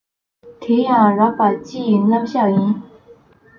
དེ ཡང རགས པ སྤྱི ཡི རྣམ གཞག ཡིན